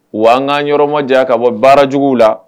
W n kaan yɔrɔma diya ka bɔ baara jugu la